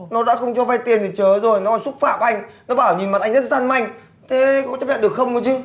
nó đã không cho vay tiền thì chớ rồi nó còn xúc phạm anh nó bảo nhìn mặt anh rất gian manh thế có chấp nhận được không cơ chứ